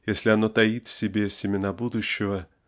если оно таит в себе семена будущего